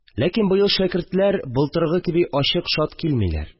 Ләкин быел шәкертләр былтыргы кеби ачык-шат килмиләр